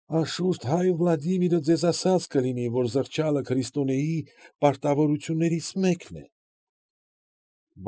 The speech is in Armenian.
Անշուշտ հայր Վլադիմիրը ձեզ ասած կլինի, որ զղջալը քրիստոնեի պարտավորություններից մեկն է։